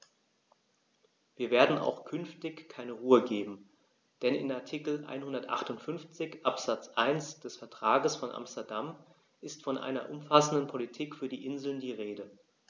Wir werden auch künftig keine Ruhe geben, denn in Artikel 158 Absatz 1 des Vertrages von Amsterdam ist von einer umfassenden Politik für die Inseln die Rede.